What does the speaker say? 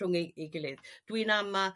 Rhwng eu 'u gilydd. Dwi'n ama.'